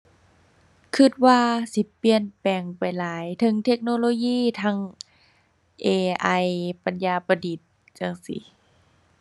คิดว่าสิเปลี่ยนแปลงไปหลายเทิงเทคโนโลยี ทั้ง AI ปัญญาประดิษฐ์จั่งซี้